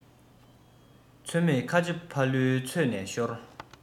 ཚོད མེད ཁ ཆེ ཕ ལུའི ཚོད ནས ཤོར